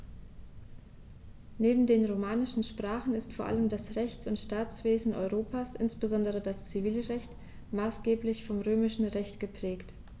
Neben den romanischen Sprachen ist vor allem das Rechts- und Staatswesen Europas, insbesondere das Zivilrecht, maßgeblich vom Römischen Recht geprägt.